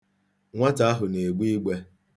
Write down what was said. Nwata ahụ na-egbe igbe.